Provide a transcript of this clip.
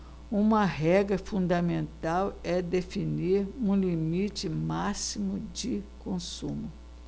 uma regra fundamental é definir um limite máximo de consumo